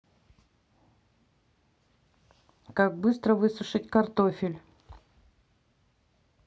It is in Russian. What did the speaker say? как быстро высушить картофель